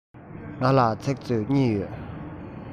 ང ལ ཚིག མཛོད གཉིས ཡོད